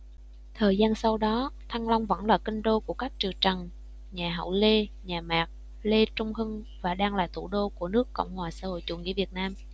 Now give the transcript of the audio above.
thời gian sau đó thăng long vẫn là kinh đô của các triều trần nhà hậu lê nhà mạc lê trung hưng và đang là thủ đô của nước cộng hòa xã hội chủ nghĩa việt nam